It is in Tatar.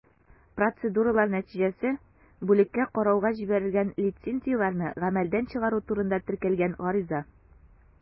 Процедуралар нәтиҗәсе: бүлеккә карауга җибәрелгән лицензияләрне гамәлдән чыгару турында теркәлгән гариза.